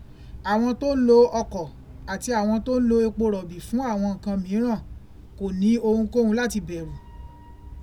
Àwọn tó ń lo ọkọ̀ àti àwọn tó tún ń lo epo rọ̀bì fún àwọn nǹkan mìíràn kò ní ohunkóhun láti bẹ̀rù.